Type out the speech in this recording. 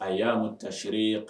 A y'a ta feereere ye kan